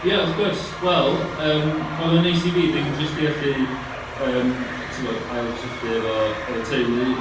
Ie, wrth gwrs, wel yym, oedd o'n neis i fi ddim jyst i allu yym timod ailgysylltu efo efo teulu.